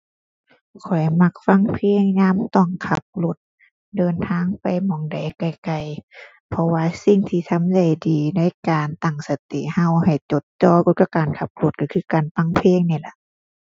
ข้อยมักฟังเพลงยามต้องขับรถเดินทางไปหม้องใดไกลไกล เพราะว่าสิ่งที่ทำได้ดีในการตั้งสติเราให้จดจ่ออยู่กับการขับรถ เราคือการฟังเพลงนี้ล่ะ